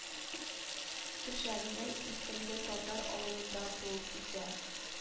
Кешәнне исемле татар авылында туып үсә